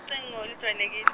cingo olujwayelekile .